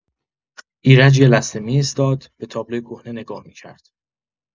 ایرج یه لحظه می‌ایستاد، به تابلوی کهنه نگاه می‌کرد.